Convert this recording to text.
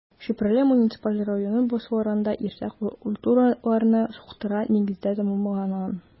Чүпрәле муниципаль районы басуларында иртә культураларны суктыру нигездә тәмамланган.